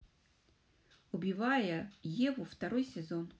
убивая еву второй сезон